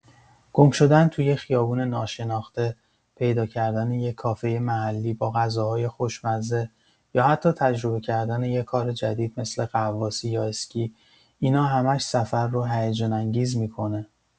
گم‌شدن تو یه خیابون ناشناخته، پیدا کردن یه کافه محلی با غذاهای خوشمزه، یا حتی تجربه کردن یه کار جدید مثل غواصی یا اسکی، اینا همش سفر رو هیجان‌انگیز می‌کنه.